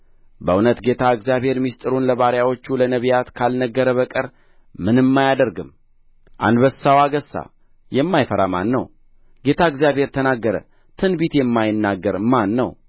በእውነት ጌታ እግዚአብሔር ምሥጢሩን ለባሪያዎቹ ለነቢያት ካልነገረ በቀር ምንም አያደርግም አንበሳው አገሣ የማይፈራ ማን ነው ጌታ እግዚአብሔር ተናገረ ትንቢት የማይናገር ማን ነው